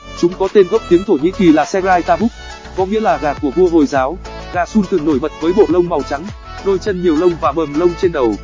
chúng có tên gốc tiếng thổ nhĩ kỳ là seraitavuk có nghĩa là gà của vua hồi giáo gà sultan nổi bật với bộ lông màu trắng đôi chân nhiều lông và bờm lông trên đầu